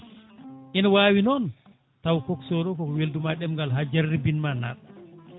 ina wawi noon taw coxeur o koko welduma ɗemgal ha jarlibinma nadɗa